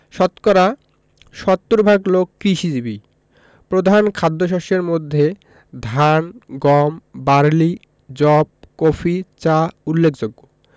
শতকরা ৭০ ভাগ লোক কৃষিজীবী প্রধান খাদ্যশস্যের মধ্যে ধান গম বার্লি যব কফি চা উল্লেখযোগ্য